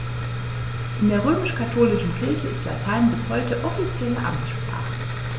In der römisch-katholischen Kirche ist Latein bis heute offizielle Amtssprache.